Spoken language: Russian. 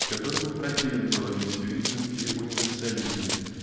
которому противен был объективизм и универсализм